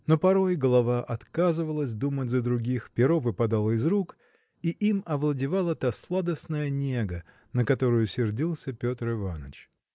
Но порой голова отказывалась думать за других перо выпадало из рук и им овладевала та сладостная нега на которую сердился Петр Иваныч.